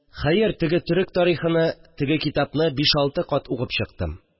Хәер, теге төрек тарихыны, теге китапны биш-алты кат укып чыктым